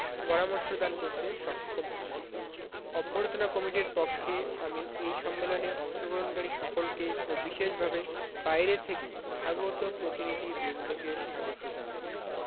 পরামর্শ দান করতে সক্ষম হবো অভ্যর্থনা কমিটির পক্ষে আমি এই সম্মেলনে অংশগ্রহণকারী সকলকে ও বিশেষভাবে বাইরে থেকে আগত প্রতিনিধিবৃন্দকে স্বাগত জানাই